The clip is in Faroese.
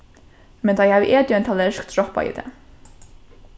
men tá eg havi etið ein tallerk droppaði eg tað